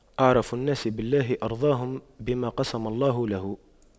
أعرف الناس بالله أرضاهم بما قسم الله له